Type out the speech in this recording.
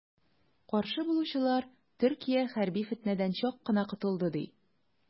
Каршы булучылар, Төркия хәрби фетнәдән чак кына котылды, ди.